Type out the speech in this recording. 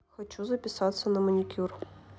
хочу записаться на маникюр